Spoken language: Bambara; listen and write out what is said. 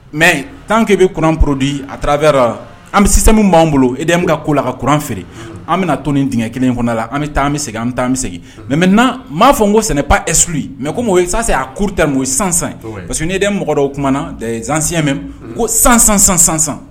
Mɛ tanke bɛ kuran porodi a taarara an bɛ sisan min b'an bolo e bɛ ka ko la ka kuran feere an bɛ to ni tigɛ kelen kɔnɔ an bɛ taa segin an taa bɛ segin mɛ mɛ maa'a fɔ n ko sɛnɛ pa es su mɛ sisanse'a kurute mɔ ye sansan parce que ne den mɔgɔ dɔ o kumaumana na zansiyɛnmɛ ko san san san sansan